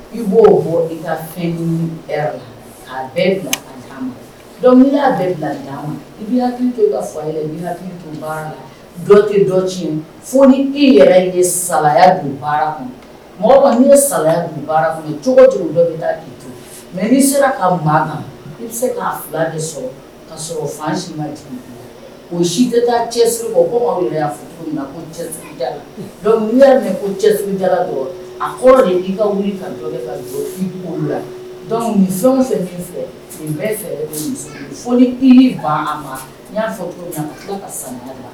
I b'o bɔ i ka fɛn ɲini la a bɛɛ'a bɛ bila d ma i dɔ tɛ dɔ ci fo i yɛrɛ ye sa dun baara mɔgɔ ye sa baara cogo dɔ mɛ n'i sera ka maa i bɛ se k'a fila de sɔrɔ ka sɔrɔ fa si ma o si tɛ taa cɛ'a a fɛn fɛ min fɛ i maa